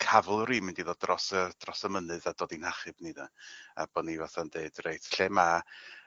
cavalry mynd i ddod dros y dros y mynydd a dod i'n achub ni 'de? A bo' ni fatha'n deud reit lle ma'